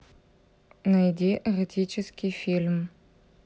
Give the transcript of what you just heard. найди эротический фильм